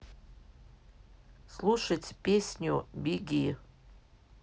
слушать песню беги